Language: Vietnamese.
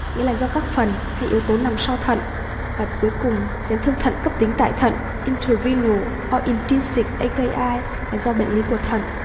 nghĩa là do các phần hay yếu tố nằm sau thận và cuối cùng chấn thương thận cấptính tại thận do bệnh lý tại thận